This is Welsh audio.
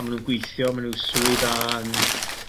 a ma' nw'n gwithio ma' n'w swydd dda yn